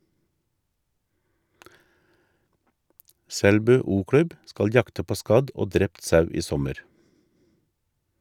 Selbu o-klubb skal jakte på skadd og drept sau i sommer.